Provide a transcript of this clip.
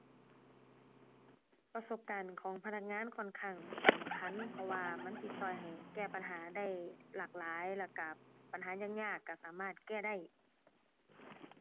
ประสบการณ์ของพนักงานค่อนข้างสำคัญ เพราะว่ามันจิช่วยให้แก้ปัญหาได้หลากหลาย แล้วช่วยปัญหายากยากช่วยสามารถแก้ได้